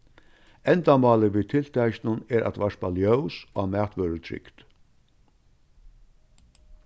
endamálið við tiltakinum er at varpa ljós á matvørutrygd